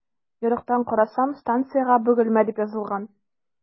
Ярыктан карасам, станциягә “Бөгелмә” дип язылган.